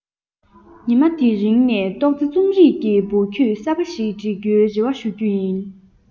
ཉི མ དེ རིང ནས འཇོག སྟེ རྩོམ རིག གི དབུ ཁྱུད གསར པ ཞིག འབྲི རྒྱུའི རེ བ ཞུ རྒྱུ ཡིན